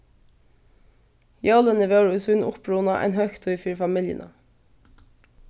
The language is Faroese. jólini vóru í sínum uppruna ein høgtíð fyri familjuna